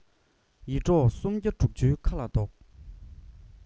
ཡེ འབྲོག སུམ བརྒྱ དྲུག ཅུའི ཁ ལ བཟློག